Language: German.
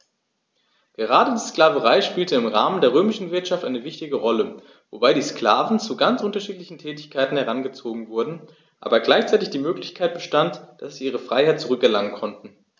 Gerade die Sklaverei spielte im Rahmen der römischen Wirtschaft eine wichtige Rolle, wobei die Sklaven zu ganz unterschiedlichen Tätigkeiten herangezogen wurden, aber gleichzeitig die Möglichkeit bestand, dass sie ihre Freiheit zurück erlangen konnten.